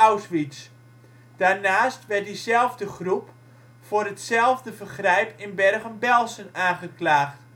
Auschwitz. Daarnaast werd diezelfde groep voor hetzelfde vergrijp in Bergen-Belsen aangeklaagd